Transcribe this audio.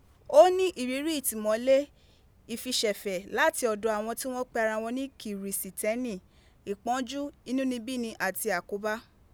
O ni iriri itimole, ifisefe lati odo awon ti won pe ara won ni kirisiteni, iponju , inunibini, ati akoba